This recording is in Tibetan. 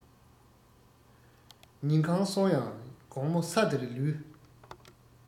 ཉིན གང སོང ཡང དགོང མོ ས དེར ལུས